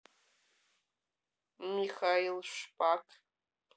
михаил шпак